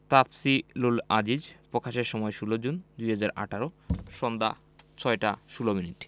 তাফসিলুল আজিজ প্রকাশের সময় ১৬জুন ২০১৮ সন্ধ্যা ৬টা ১৬ মিনিট